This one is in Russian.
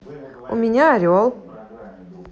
у меня орел